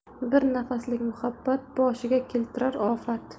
bir nafaslik muhabbat boshga keltirar ofat